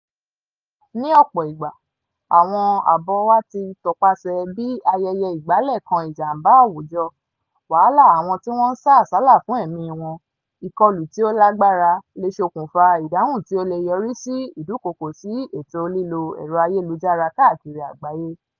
Ní ọ̀pọ̀ ìgbà, àwọn àbọ̀ wa ti tọpasẹ̀ bí ayẹyẹ ìgbálẹ̀ kan-ìjàmbá àwùjọ, wàhálà àwọn tí wọ́n ń sá àsálà fún ẹ̀mí wọn, ìkọlù tí ó lágbára - lè ṣokùnfà ìdáhùn tí ó lè yọrí sí ìdúkokò sí ẹ̀tọ́ lílo ẹ̀rọ ayélujára káàkiri àgbáyé.